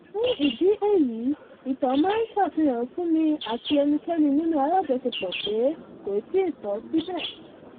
Fún ìdí èyí ìtàn máa ṣàfihàn fún mi àti ẹnikẹ́ni nínú alájọṣepọ̀ pe kò tíì tán síbẹ.